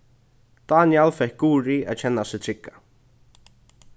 dánjal fekk guðrið at kenna seg trygga